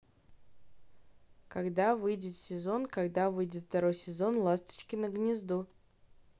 когда выйдет сезон когда выйдет второй сезон ласточкино гнездо